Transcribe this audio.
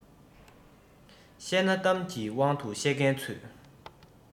བཤད ན གཏམ གྱི དབང དུ བཤད མཁན ཚུད